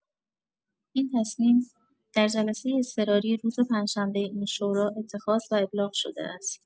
این تصمیم در جلسه اضطراری روز پنج‌شنبه این شورا اتخاذ و ابلاغ شده است.